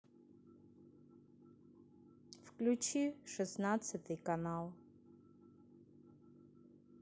включить шестнадцатый канал